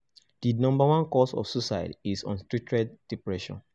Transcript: The number one cause of suicide is untreated depression.